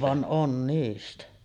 vaan on niistä